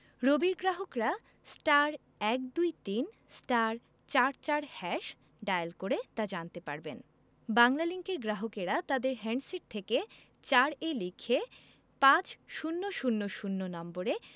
রবির গ্রাহকরা *১২৩*৪৪# ডায়াল করে তা জানতে পারবেন বাংলালিংকের গ্রাহকরা তাদের হ্যান্ডসেট থেকে ৪ এ লিখে পাঁচ শূণ্য শূণ্য শূণ্য নম্বরে